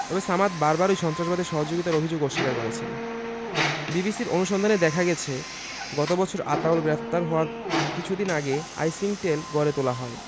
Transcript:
তবে সামাদ বারবারই সন্ত্রাসবাদে সহযোগিতার অভিযোগ অস্বীকার করছেন বিবিসির অনুসন্ধানে দেখা গেছে গত বছর আতাউল গ্রেপ্তার হওয়ার কিছুদিন আগে আইসিংকটেল গড়ে তোলা হয়